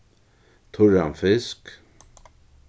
turran fisk